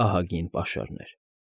Ահագին պաշարներ։